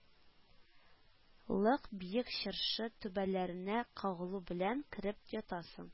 Лык биек чыршы түбәләренә кагылу белән, кереп ятасың